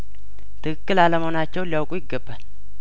ትክክል አለመሆናቸውን ሊያውቁ ይገባል